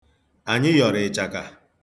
Anyị yọrọ ịchaka.